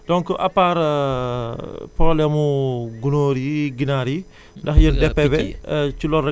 waa mu ngi door a toog donc à part problème mu gunóor yi ginaar yi ndax yéen